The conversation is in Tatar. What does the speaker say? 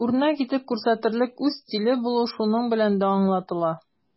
Үрнәк итеп күрсәтерлек үз стиле булу шуның белән дә аңлатыла.